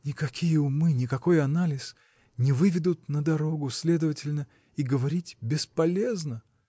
— Никакие умы, никакой анализ — не выведут на дорогу, следовательно и говорить бесполезно!